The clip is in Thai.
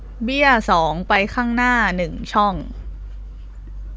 เบี้ยสองไปข้างหน้าหนึ่งช่อง